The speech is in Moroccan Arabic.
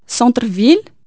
الصونطر فيل